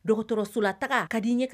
Dɔgɔtɔrɔsola taga a ka di ɲɛ!